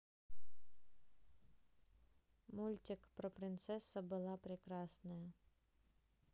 мультик про принцесса была прекрасная